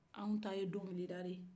an ta ye donkili da de ye